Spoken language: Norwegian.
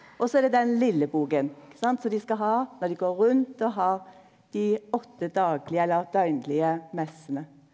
og så er det den litle boken sant som dei skal ha når dei går rundt og har dei åtte daglege eller døgnlege messene.